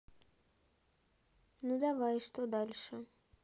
ну давай что дальше